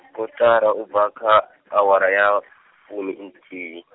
kotara ubva kha, awara ya, fuminthihi.